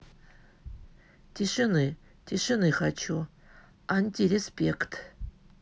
тишины тишины хочу антиреспект